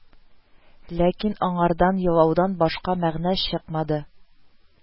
Ләкин аңардан елаудан башка мәгънә чыкмады